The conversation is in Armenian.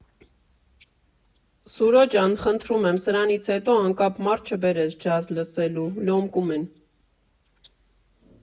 Սուրո ջան, խնդրում եմ սրանից հետո անկապ մարդ չբերես ջազ լսելու, լոմկում են։